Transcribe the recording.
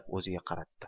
o'ziga qaratdi